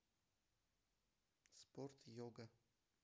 спорт йога